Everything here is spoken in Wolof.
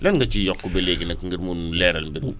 lan nga ciy yokk ba léegi nag ngir mun leeral mbir mi